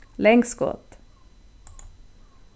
langskot